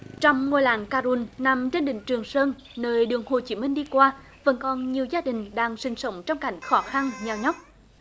trong ngôi làng ca run nằm trên đỉnh trường sơn nơi đường hồ chí minh đi qua vẫn còn nhiều gia đình đang sinh sống trong cảnh khó khăn nheo nhóc